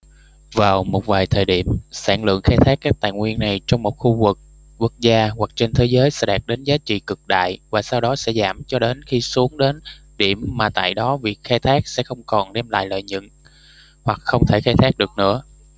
vào một vài thời điểm sản lượng khai thác các tài nguyên này trong một khu vực quốc gia hoặc trên thế giới sẽ đạt đến giá trị cực đại và sau đó sẽ giảm cho đến khi xuống đến điểm mà tại đó việc khai thác sẽ không còn đem lại lợi nhuận hoặc không thể khai thác được nữa